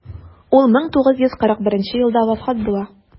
Ул 1941 елда вафат була.